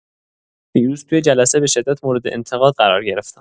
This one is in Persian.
دیروز توی جلسه به‌شدت مورد انتقاد قرار گرفتم.